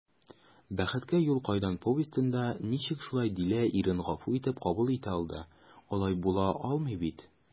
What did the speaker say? «бәхеткә юл кайдан» повестенда ничек шулай дилә ирен гафу итеп кабул итә алды, алай була алмый бит?»